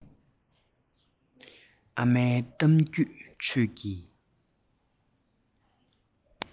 ཨ མའི གཏམ རྒྱུད ཁྲོད ཀྱི